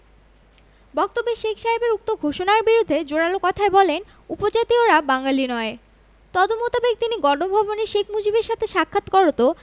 বক্তব্যে শেখ সাহেবের উক্ত ঘোষণার বিরুদ্ধে জোরালো কথায় বলেন উপজাতীয়রা বাঙালি নয় তদমোতাবেক তিনি গণভবনে শেখ মুজিবের সাথে সাক্ষাৎ করত